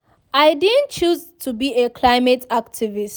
I didn't choose to be a climate activist.